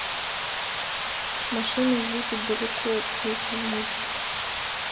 машина едет далеко песня мультик